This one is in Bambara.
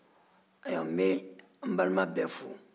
ɛɛ n bɛ n balima bɛɛ fo